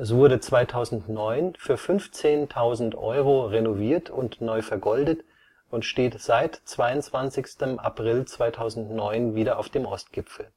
wurde 2009 für 15.000 Euro renoviert und neu vergoldet und steht seit 22. April 2009 wieder auf dem Ostgipfel